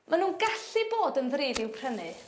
Ma' nw'n gallu bod yn ddrud i'w prynu